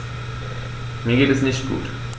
Mir geht es nicht gut.